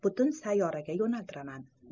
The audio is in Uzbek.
butun sayyoraga yo'naltiraman